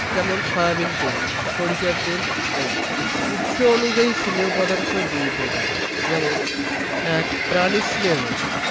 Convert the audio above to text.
যেমন সয়াবিন তেল সরিষার তেল ইত্যাদি উৎস অনুযায়ী স্নেহ পদার্থ দুই প্রকার যেমন ১. প্রাণিজ স্নেহ